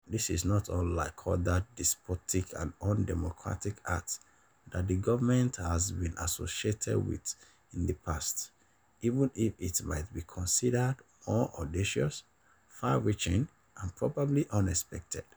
This is not unlike other despotic and undemocratic acts that the government has been associated with in the past, even if it might be considered more audacious, far-reaching and probably unexpected.